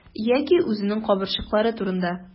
Яки үзенең кабырчрыклары турында.